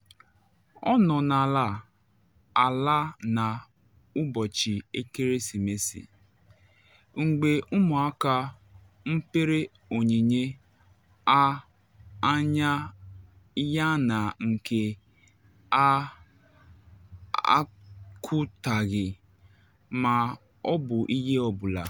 Ọ nọ n’ala ala na Ubọchi Ekeresimesi - mgbe ụmụaka mepere onyinye ha anya ya na nke ha akụtaghị ma ọ bụ ihe ọ bụla.”